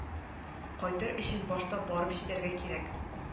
Кайтыр өчен башта барып җитәргә кирәк